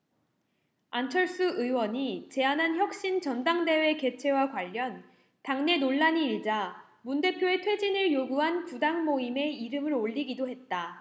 안철수 의원이 제안한 혁신 전당대회 개최와 관련 당내 논란이 일자 문 대표의 퇴진을 요구한 구당모임에 이름을 올리기도 했다